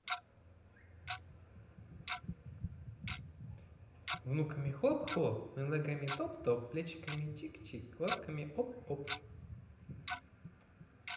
внуками хлоп хлоп мы ногами топ топ плечиками чикчик глазками оп оп